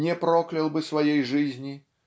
не проклял бы своей жизни